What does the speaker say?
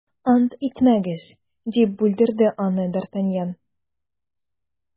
- ант итмәгез, - дип бүлдерде аны д’артаньян.